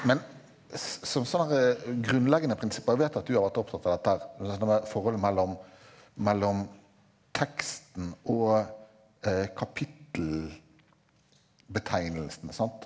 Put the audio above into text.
men som grunnleggende prinsipper jeg vet at du har vært opptatt av dette her forholdet mellom mellom teksten og kapittelbetegnelsene sant.